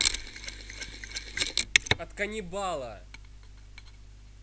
от каннибала